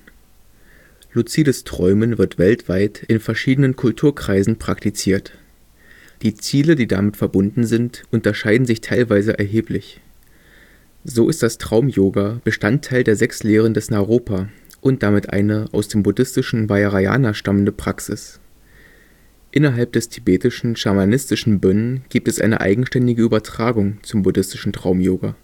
Luzides Träumen wird weltweit in verschiedenen Kulturkreisen praktiziert. Die Ziele, die damit verbunden sind, unterscheiden sich teilweise erheblich. So ist das Traumyoga Bestandteil der Sechs Lehren des Naropa und damit eine aus dem buddhistischen Vajrayana stammende Praxis. Innerhalb des tibetischen-schamanistischen Bön gibt es eine eigenständige Übertragung zum buddhistischen Traumyoga